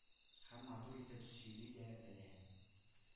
Һәм матур итеп сөйли дә белә.